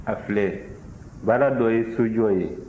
a filɛ baara dɔ ye sojɔ ye